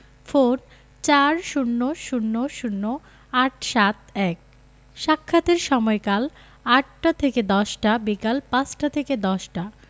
phone ৪০০০৮৭১ সাক্ষাতের সময়কাল ৮টা থেকে ১০টা বিকাল ৫টা থেকে ১০টা